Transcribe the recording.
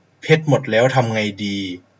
เพชรหมดแล้วทำไงดี